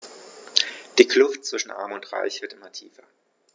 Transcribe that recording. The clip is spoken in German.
Die Kluft zwischen Arm und Reich wird immer tiefer.